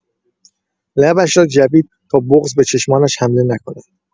لبش را جوید تا بغض به چشمانش حمله نکند.